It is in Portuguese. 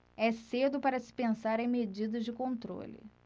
é cedo para se pensar em medidas de controle